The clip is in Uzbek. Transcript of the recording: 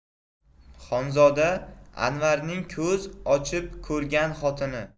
xonzoda anvarning ko'z ochib ko'rgan xotini